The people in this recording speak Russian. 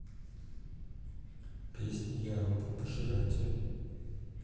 песня я робот пожиратель